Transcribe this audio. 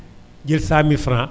jël 100000F